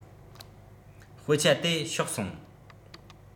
དཔེ ཆ དེ ཕྱོགས སོང